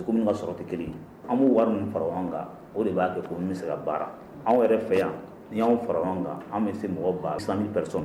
Communes ka sɔrɔ te kelen ye. Anw bi wari min fara ɲɔgɔn kan o de ba kɛ commune bi se ka baara . Anw yɛrɛ fɛ yan ni yanw fara ɲɔgɔn kan anw bi se mɔgɔ ba 100000 personnes